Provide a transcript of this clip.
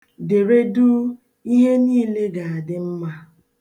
Dere duu, ihe niile ga-adị mma.